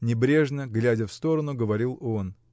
— небрежно, глядя в сторону, говорил он.